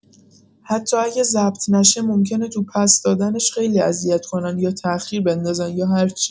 حتی اگه ضبط نشه ممکنه تو پس دادنش خیلی اذیت کنن یا تاخیر بندازن یا هرچی!